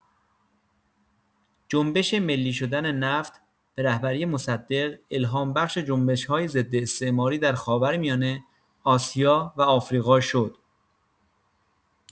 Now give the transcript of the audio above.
جنبش ملی شدن نفت به رهبری مصدق الهام‌بخش جنبش‌های ضداستعماری در خاورمیانه، آسیا و آفریقا شد.